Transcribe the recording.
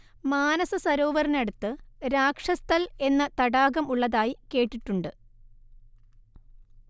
മാനസസരോവറിന് അടുത്ത് രാക്ഷസ്ഥൽ എന്ന തടാകം ഉളളതായി കേട്ടിട്ടുണ്ട്